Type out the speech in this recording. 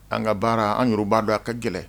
An ka baara an yurbaa dɔn a ka gɛlɛn